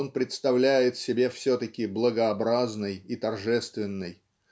он представляет себе все-таки благообразной и торжественной.